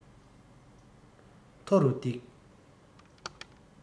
མཐོ རུ བཏེགས ཏེ